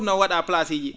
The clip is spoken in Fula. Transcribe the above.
no wa?aa placé ji